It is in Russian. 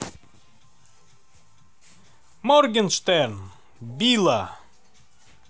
моргенштерн билла